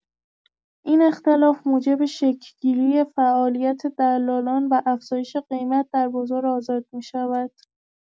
این اختلاف موجب شکل‌گیری فعالیت دلالان و افزایش قیمت در بازار آزاد می‌شود.